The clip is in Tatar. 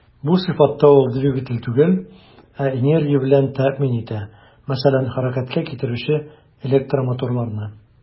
Бу сыйфатта ул двигатель түгел, ә энергия белән тәэмин итә, мәсәлән, хәрәкәткә китерүче электромоторларны.